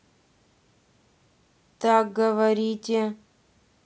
так говорите